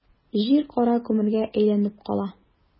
Җир кара күмергә әйләнеп кала.